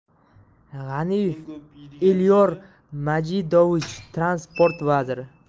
g'aniyev elyor majidovich transport vaziri